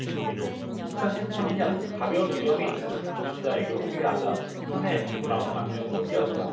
이천 십 삼 년 가벼운 위염이 있는 감염자에게로 확대하자 한 해 백 마흔 만명으로 뛰었다